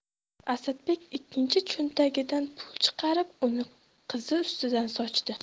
asadbek ikkinchi cho'ntagidan pul chiqarib uni qizi ustidan sochdi